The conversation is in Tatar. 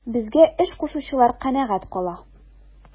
Безгә эш кушучылар канәгать кала.